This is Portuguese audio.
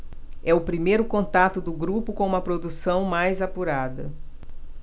é o primeiro contato do grupo com uma produção mais apurada